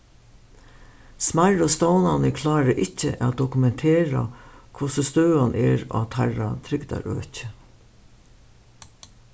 smærru stovnarnir klára ikki at dokumentera hvussu støðan er á teirra trygdarøki